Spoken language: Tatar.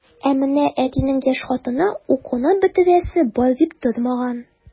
Ә менә әтинең яшь хатыны укуны бетерәсе бар дип тормаган.